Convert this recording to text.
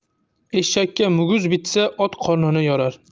eshakka muguz bitsa ot qornini yorar